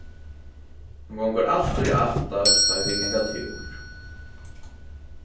hon gongur altíð aftast tá ið vit ganga túr